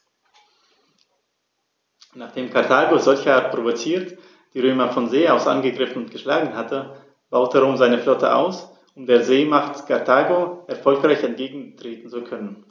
Nachdem Karthago, solcherart provoziert, die Römer von See aus angegriffen und geschlagen hatte, baute Rom seine Flotte aus, um der Seemacht Karthago erfolgreich entgegentreten zu können.